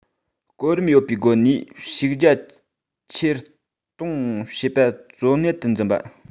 གོ རིམ ཡོད པའི སྒོ ནས ཞུགས རྒྱ ཆེར གཏོང བྱེད པ གཙོ གནད དུ འཛིན པ